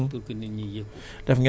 CDD yu bëri